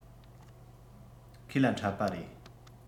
ཁོས ལ འཁྲབ པ རེད